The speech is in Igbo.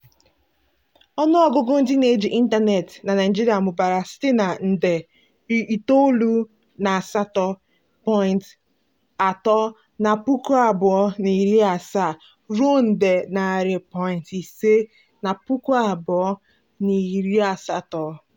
Ọnụọgụgụ ndị na-eji ịntaneetị na Naịjirịa mụbara site na nde 98.3 na 2017 ruo nde 100.5 na 2018.